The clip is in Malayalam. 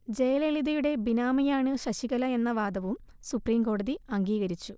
ജയലളിതയുടെ ബിനാമിയാണ് ശശികലയെന്ന വാദവും സുപ്രീംകോടതി അംഗീകരിച്ചു